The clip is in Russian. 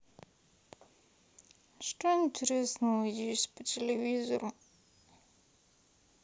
что интересного есть по телевизору